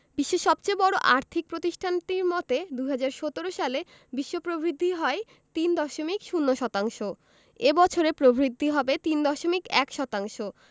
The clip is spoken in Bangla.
বিশ্বের সবচেয়ে বড় আর্থিক প্রতিষ্ঠানটির মতে ২০১৭ সালে বিশ্ব প্রবৃদ্ধি হয় ৩.০ শতাংশ এ বছর প্রবৃদ্ধি হবে ৩.১ শতাংশ